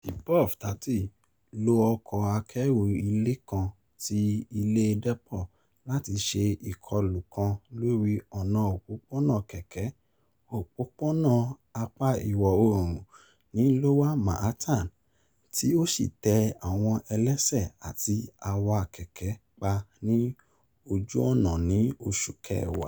Saipov, 30, lo ọkọ akẹ́rù Ilé kan ti Ilé Depot láti ṣe ìkọlù kan lóri ọ̀nà òpópónà kẹ̀kẹ́ Òpópónà Apá iwọ̀ oòrùn ní Lower Manhattan, tí ósì tẹ àwọn ẹlẹ́sẹ̀ àti awa kẹ̀kẹ́ pa ní ojú ọ̀nà ní Oṣù Kẹwàá.